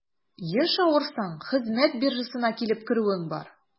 Еш авырсаң, хезмәт биржасына килеп керүең бар.